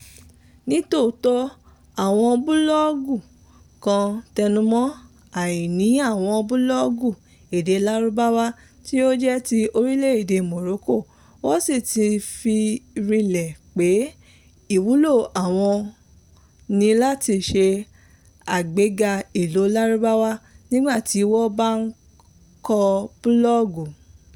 Ní tòótọ́, àwọn búlọ́ọ̀gù kan ń tẹnumọ́ àìní àwọn búlọ́ọ̀gù èdè Lárúbáwá tí ó jẹ́ ti orílẹ̀ èdè Morocco wọ́n sì ti fi rinlẹ̀ pé ìwúlò àwọn ni láti ṣe àgbéga ìlò Lárúbáwá nígbà tí wọ́n bá ń kọ búlọ́ọ̀gù.